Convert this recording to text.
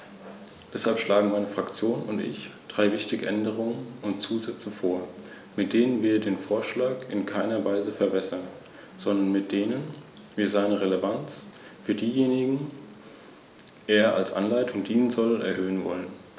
Diese Forscher haben sicher keinerlei Bedarf mehr an der italienischen Sprache, da sie Englisch, Französisch und Deutsch gelernt haben und, zum Nachteil italienischer Produkte, über alle Instrumente zur Einreichung dieser Patentanmeldungen verfügen.